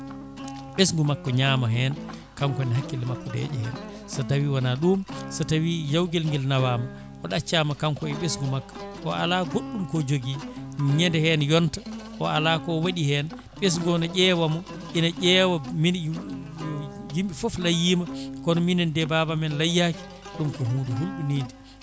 ɓesgu makko ñaama hen kankone hakkille makko deeƴa hen so tawi wona ɗum so tawi jawguel guel nawama o ɗaccama kanko e ɓesgu makko o Allah goɗɗum ko jogui ñandehen yonta o ala ko waɗi hen ɓesgu o ne ƴeewamo ene ƴeewa yimɓeɓe foof layyima kono minen de baabamen layyaki ɗum ko hunde hulɓinide